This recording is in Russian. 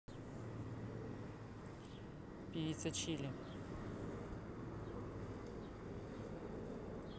певица чили